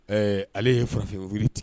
Ɛɛ ale ye farafinwu tigɛ